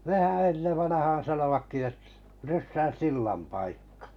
nehän ennen vanhaan sanoivatkin - ryssän sillan paikka